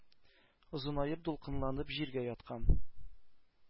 Озынаеп, дулкынланып, җиргә яткан.